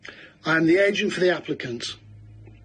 I am the agent for the applicant.